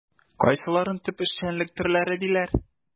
Кайсыларын төп эшчәнлек төрләре диләр?